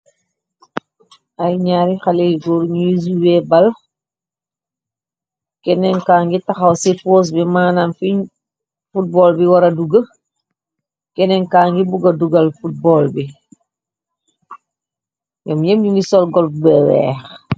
Aiiy njaari haleh yu gorre njui zuweh bal, kenen kaangui takhaw cii post bii manam fii football bii wara dugu, kenen kaangui buga dugal football bii, njom njehp njungy sol glove bu wekh.